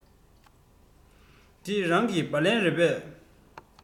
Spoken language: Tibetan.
འདི རང གི སྦ ལན རེད པས